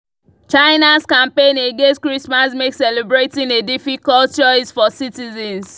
China's campaign against Christmas makes celebrating a difficult choice for citizens